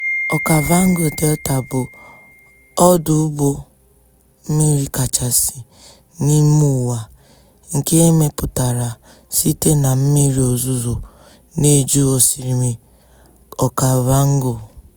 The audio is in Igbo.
Okavango Delta bụ ọdụ ụgbọ mmiri kachasị n'ime ụwa, nke e mepụtara site na mmiri ozuzo na-eju osimiri Okavango.